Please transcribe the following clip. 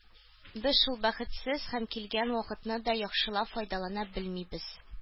Без шул бәхетсез һәм килгән вакытны да яхшылап файдалана белмибез.